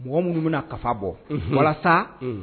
Mɔgɔ minnu bɛna na ka bɔ walasa